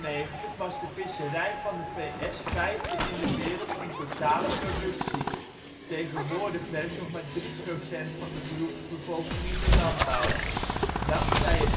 1995 was de visserij van de V.S. vijfde in de wereld in totale productie. Tegenwoordig werkt nog maar 3 % van de beroepsbevolking in de landbouw. Dankzij